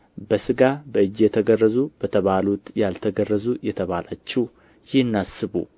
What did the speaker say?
በሥጋ በእጅ የተገረዙ በተባሉት ያልተገረዙ የተባላችሁ ይህን አስቡ